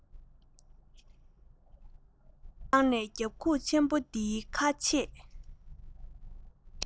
ཡར ལངས ནས རྒྱབ ཁུག ཆེན པོ དེའི ཁ ཕྱེས